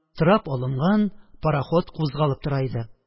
Трап алынган, пароход кузгалып тора иде.